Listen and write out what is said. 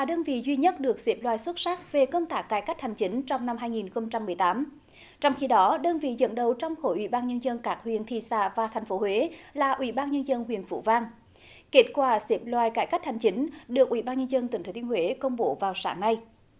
đơn vị duy nhất được xếp loại xuất sắc về công tác cải cách hành chính trong năm hai nghìn không trăm mười tám trong khi đó đơn vị dẫn đầu trong hội ủy ban nhân dân các huyện thị xã và thành phố huế là ủy ban nhân dân huyện phú vang kết quả xếp loại cải cách hành chính được ủy ban nhân dân tỉnh thừa thiên huế công bố vào sáng nay